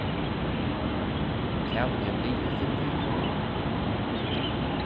kavin hevur ligið í fimm vikur nú